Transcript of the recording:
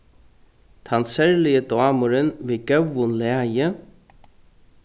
tann serligi dámurin við góðum lagi